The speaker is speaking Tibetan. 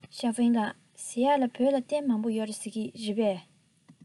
ཞའོ ཧྥུང ལགས ཟེར ཡས ལ བོད ལ གཏེར མང པོ ཡོད རེད ཟེར གྱིས རེད པས